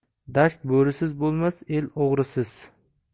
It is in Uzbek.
dasht bo'risiz bo'lmas el o'g'risiz